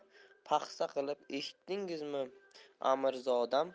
paxsa qilib eshitdingizmi amirzodam